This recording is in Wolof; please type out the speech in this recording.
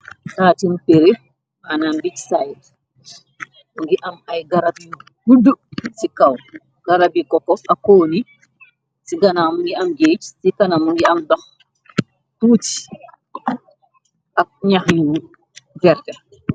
Taatim peri, manan bicc side, mi ngi am ay garab yu guddu ci kaw, garab koko ak kooni, ci ganaaw mu ngi am géej, ci kanam mu ngi am ndox tuuci ak ñax yu verte.